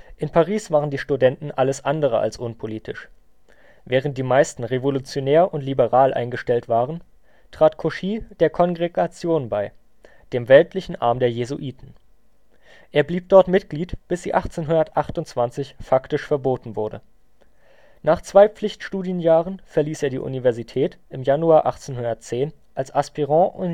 In Paris waren die Studenten alles andere als unpolitisch. Während die meisten revolutionär und liberal eingestellt waren, trat Cauchy der Kongregation bei, dem weltlichen Arm der Jesuiten. Er blieb dort Mitglied, bis sie 1828 faktisch verboten wurde. Nach zwei Pflichtstudienjahren verließ er die Universität im Januar 1810 als aspirant-ingénieur